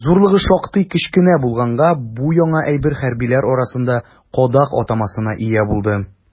Зурлыгы шактый кечкенә булганга, бу яңа әйбер хәрбиләр арасында «кадак» атамасына ия булды.